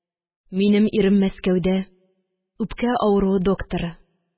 Минем ирем Мәскәүдә, үпкә авыруы докторы.